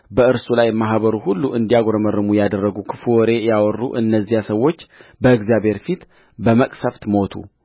በእርሱ ላይ ማኅበሩ ሁሉ እንዲያጕረመርሙ ያደረጉክፉ ወሬ ያወሩ እነዚያ ሰዎች በእግዚአብሔር ፊት በመቅሠፍት ሞቱ